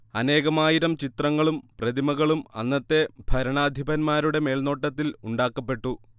അനേകമായിരം ചിത്രങ്ങളും പ്രതിമകളും അന്നത്തെ ഭരണാധിപന്മാരുടെ മേൽനോട്ടത്തിൽ ഉണ്ടാക്കപ്പെട്ടു